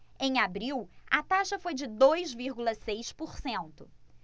em abril a taxa foi de dois vírgula seis por cento